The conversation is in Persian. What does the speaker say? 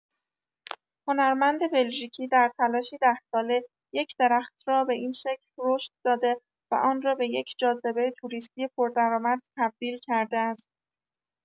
هنرمند بلژیکی در تلاشی ۱۰ ساله یک درخت را به این شکل رشد داده و آن را به یک جاذبه توریستی پردرآمد تبدیل کرده است.